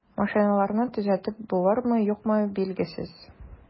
Машиналарны төзәтеп булырмы, юкмы, билгесез.